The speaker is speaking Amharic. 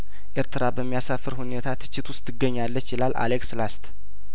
ኤርትራ በሚያሳፍር ሁኔታ ትችት ውስጥ ትገኛለች ይላል አሌክስ ላስት